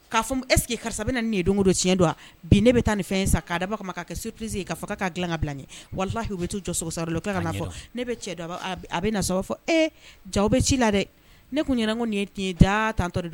K'a fɔ eseke karisa bɛ na nin ye don don tiɲɛ don a bi ne bɛ taa ni fɛn san sa k'a' kɛ sufisi kaa ka k kaa dilan ka bila ye wala'u bɛ taa jɔso sa' ka fɔ ne bɛ cɛ a bɛ na sababu fɔ e ja bɛ ci la dɛ ne tun ɲɛna ko nin ye tiɲɛ da tanto dɛ